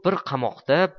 biri qamoqda